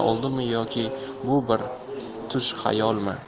ettira oldimmi yoki bu bir tush xayolmi